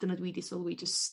dyna dwi 'di sylwi jys